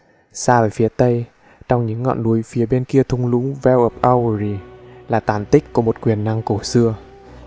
xa về phía tây trong những ngọn núi phía bên kia thung lũng vale of augury là tàn tích của một quyền năng cổ xưa